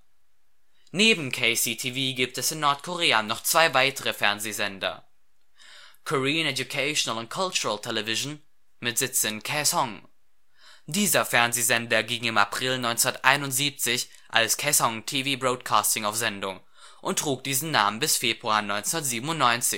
Neben KCTV gibt es in Nordkorea noch zwei weitere Fernsehsender: Korean Educational & Cultural Television mit Sitz in Kaesŏng. Dieser Fernsehsender ging im April 1971 als Kaesong TV Broadcasting auf Sendung und trug diesen Namen bis Februar 1997